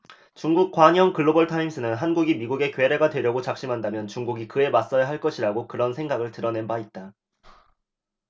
중국 관영 글로벌타임스는 한국이 미국의 괴뢰가 되려고 작심한다면 중국이 그에 맞서야 할 것이라고 그런 생각을 드러낸 바 있다